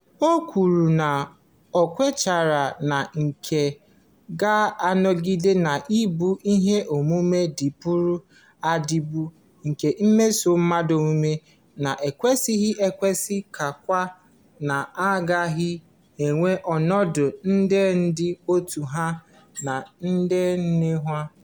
O kwuru na o "kwenyere na nke a ga-anọgide n'ịbụ ihe omume dịpụrụ adịpụ nke mmeso mmadụ omume na-ekwesịghị ekwesị nakwa na a gaghị enwe ọnọdụ ndị dị etu ahụ n'ọdịnihu".